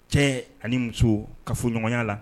Cɛ ani muso ka fɔɲɔgɔnya la